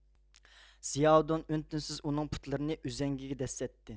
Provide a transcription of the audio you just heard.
زىياۋۇدۇن ئۈن تىنسىز ئۇنىڭ پۇتلىرىنى ئۈزەڭگىگە دەسسەتتى